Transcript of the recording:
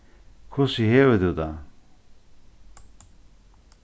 hvussu hevur tú tað